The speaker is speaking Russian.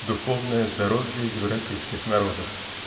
духовное здоровье европейских народов.